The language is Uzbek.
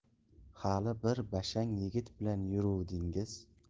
hali bir bashang yigit bilan yuruvdingiz